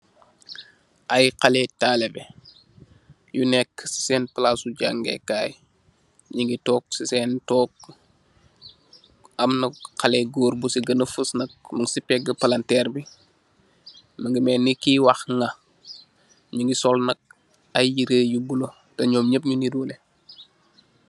Ayy xaleh talibeh yu nekk sen palasi jangeh Kai, nyingi tok sisen tog. Amna xaleh gorr busi gana fussnak mungsi pegu palanterr bi, mungi melni kuy wakh nga nyingi solnak ayy yireh yu bula teh nyom yep nyingi rouleh.